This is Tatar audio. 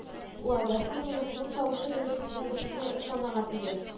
Уалды, һәм монысының тавышы беренчесенә бөтенләй охшамаган иде